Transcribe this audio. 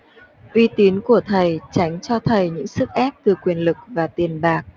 uy tín của thầy tránh cho thầy những sức ép từ quyền lực và tiền bạc